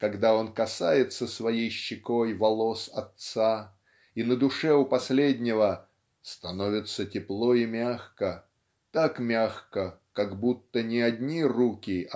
когда он касается своей щекой волос отца и на душе у последнего "становится тепло и мягко так мягко как будто и не одни руки